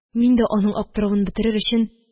Мин дә, аның аптыравын бетерер өчен